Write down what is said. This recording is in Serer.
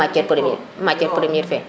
matiere premiere fe matiere premiere fe